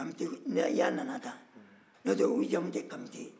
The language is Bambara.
kamiteya nana tan n'o tɛ u jamu tɛ kamite ye